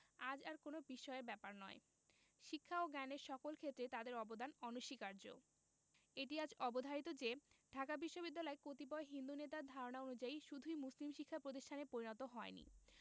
আজ আর কোনো বিস্ময়ের ব্যাপার নয় শিক্ষা ও জ্ঞানের সকল ক্ষেত্রে তাদের অবদান অনস্বীকার্য এটিআজ অবধারিত যে ঢাকা বিশ্ববিদ্যালয় কতিপয় হিন্দু নেতার ধারণা অনুযায়ী শুধুই মুসলিম শিক্ষা প্রতিষ্ঠানে পরিণত হয় নি